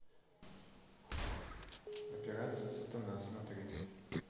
операция сатана смотреть